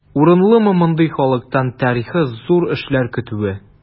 Урынлымы мондый халыктан тарихи зур эшләр көтүе?